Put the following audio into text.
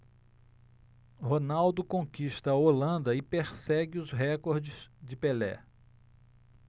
ronaldo conquista a holanda e persegue os recordes de pelé